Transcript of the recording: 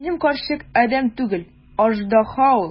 Минем карчык адәм түгел, аждаһа ул!